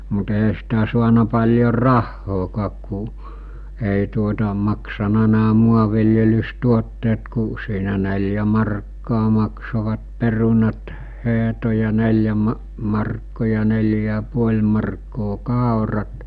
mutta eihän sitä saanut paljon rahaakaan kun ei tuota maksanut nämä maanviljelystuotteet kuin siinä neljä markkaa maksoivat perunat hehto ja neljä - markkaa ja neljä ja puoli markkaa kaurat